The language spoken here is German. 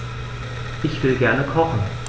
Ich will gerne kochen.